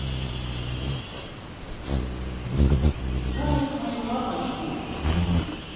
ты знаешь мою мамочку